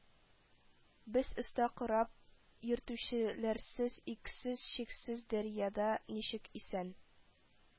Без оста кораб йөртүчеләрсез иксез-чиксез дәрьяда ничек исән